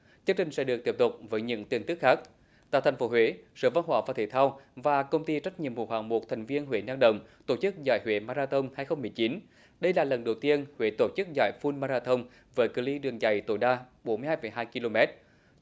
chương trình sẽ được tiếp tục với những tin tức khác dạ tp huế sự vất vả và thể thao và công ty trách nhiệm hữu hạn một thành viên huế lâm đồng tổ chức giải huế ma ra thông hai không mười chín đây là lần đầu tiên huế tổ chức giải phun ma ra thông về cự ly đường chạy tối đa bốn mươi hai phẩy hai ki lô met